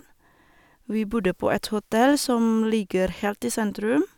Vi bodde på et hotell som ligger helt i sentrum.